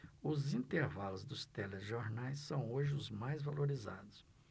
os intervalos dos telejornais são hoje os mais valorizados